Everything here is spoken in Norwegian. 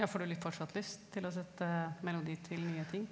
ja får du litt fortsatt lyst til å sette melodi til nye ting?